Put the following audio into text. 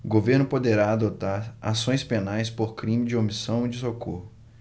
o governo poderá adotar ações penais por crime de omissão de socorro